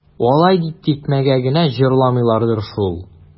Алай дип тикмәгә генә җырламыйлардыр шул.